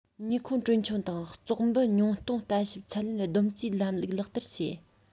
ནུས ཁུངས གྲོན ཆུང དང བཙོག འབུད ཉུང གཏོང ལྟ ཞིབ ཚད ལེན བསྡོམས རྩིས ལམ ལུགས ལག བསྟར བྱེད